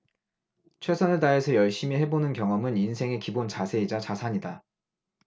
최선을 다해서 열심히 해보는 경험은 인생의 기본 자세이자 자산이다